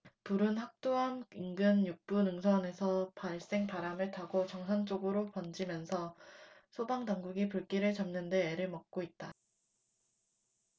불은 학도암 인근 육 부 능선에서 발생 바람을 타고 정상 쪽으로 번지면서 소방당국이 불길을 잡는 데 애를 먹고 있다